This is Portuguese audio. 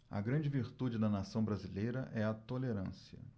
a grande virtude da nação brasileira é a tolerância